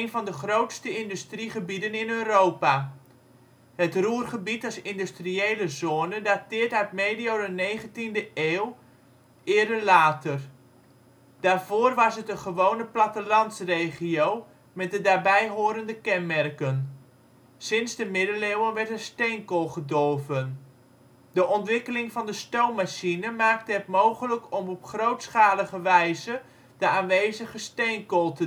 van de grootste industriegebieden in Europa. Het Ruhrgebied als industriële zone dateerd uit medio de 19e eeuw, eerder later. Daarvoor was het een gewone plattelandsregio met de daarbij horende kenmerken. Sinds de Middeleeuwen werd er steenkool gedolven. De ontwikkeling van de stoommachine maakte het mogelijk om op grootschalige wijze de aanwezige steenkool te